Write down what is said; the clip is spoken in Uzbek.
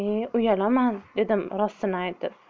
e uyalaman dedim rostini aytib